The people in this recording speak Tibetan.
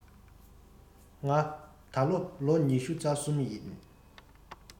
ང ད ལོ ལོ ཉི ཤུ རྩ གསུམ ཡིན